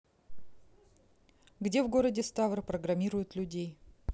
где в городе ставра програмируют людей